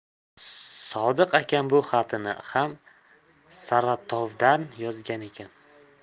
sodiq akam bu xatini ham saratovdan yozgan edi